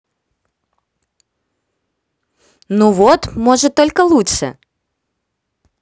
ну вот может только лучшее